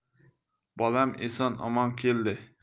bolam eson omon keldi